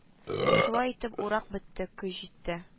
Шулай итеп, урак бетте, көз җитте